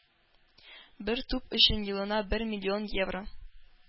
Бер туп өчен елына бер миллион евро